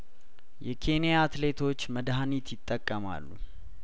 የኬንያአትሌቶች መድሀኒት ይጠቀማሉ